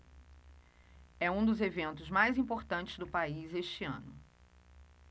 é um dos eventos mais importantes do país este ano